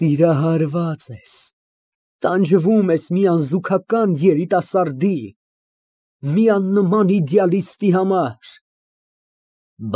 Սիրահարված ես, տանջվում ես մի անզուգական երիտասարդի, մի աննման իդեալիստի համար։ (Լուրջ)։